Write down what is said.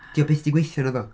'Dy o byth 'di gweithio naddo?